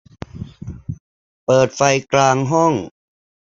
เปิดไฟกลางห้อง